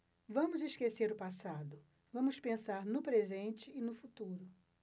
vamos esquecer o passado vamos pensar no presente e no futuro